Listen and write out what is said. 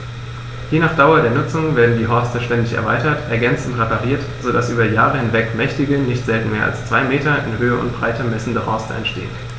Je nach Dauer der Nutzung werden die Horste ständig erweitert, ergänzt und repariert, so dass über Jahre hinweg mächtige, nicht selten mehr als zwei Meter in Höhe und Breite messende Horste entstehen.